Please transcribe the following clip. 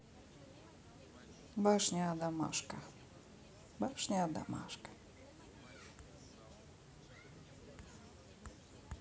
башня ада машка